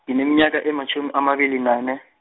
ngineminyaka ematjhumi amabili nane.